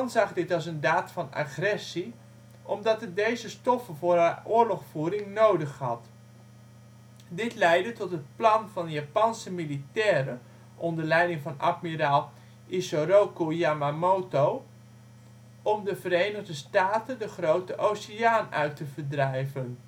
zag dit als een daad van agressie omdat het deze stoffen voor haar oorlogvoering nodig had. Dit leidde tot het plan van Japanse militairen onder leiding van admiraal Isoroku Yamamoto om de Verenigde Staten de Grote Oceaan uit te verdrijven